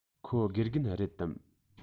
ཁོ དགེ རྒན རེད དམ